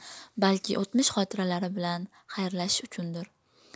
baiki o 'tmish xotiralari bilan xayrlashish uchundir